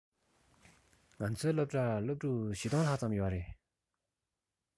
ང ཚོའི སློབ གྲྭར སློབ ཕྲུག ༤༠༠༠ ལྷག ཙམ ཡོད རེད